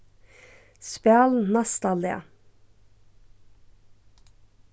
spæl næsta lag